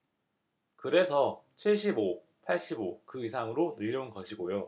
그래서 칠십 오 팔십 오 그 이상으로 늘려온 것이고요